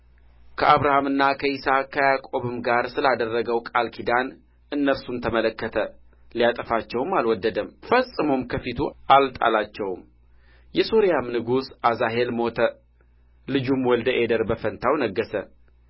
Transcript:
ከአብርሃምና ከይስሐቅ ከያዕቆብም ጋር ስላደረገውም ቃል ኪዳን እነርሱን ተመለከተ ሊያጠፋቸውም አልወደደም ፈጽሞም ከፊቱ አልጣላቸውም የሶርያም ንጉሥ አዛሄል ሞተ ልጁም ወልደ አዴር በፋንታው ነገሠ